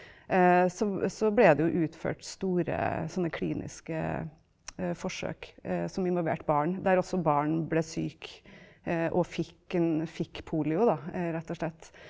så så ble det jo utført store sånne kliniske forsøk som involverte barn der også barn ble syk og fikk fikk polio da, rett og slett.